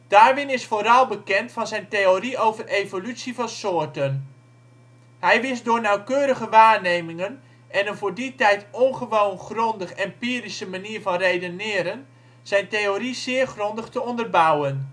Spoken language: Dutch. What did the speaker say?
Darwin is vooral bekend van zijn theorie over evolutie van soorten. Hij wist door nauwkeurige waarnemingen en een voor die tijd ongewoon grondig empirische manier van redeneren zijn theorie zeer grondig te onderbouwen